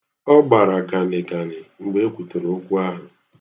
Ọ gbara ganịganị mgbe e kwutere okwu ahụ.